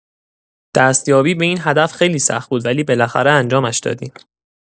دستیابی به این هدف خیلی سخت بود ولی بالاخره انجامش دادیم.